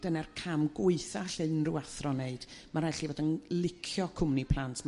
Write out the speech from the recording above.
Dyna'r cam gweitha' all unrhyw athro 'neud ma' rai' chi fod yn licio cwmni plant.